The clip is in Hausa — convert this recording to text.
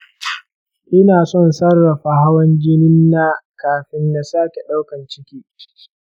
ina son sarrafa hawan jinin na kafin na sake ɗaukar ciki.